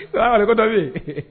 Salamaleku, Ko dɔ bɛ yen.